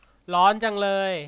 ร้อนจังเลย